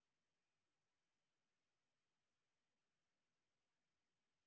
арина включи музыку